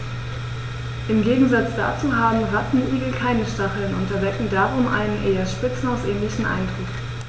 Im Gegensatz dazu haben Rattenigel keine Stacheln und erwecken darum einen eher Spitzmaus-ähnlichen Eindruck.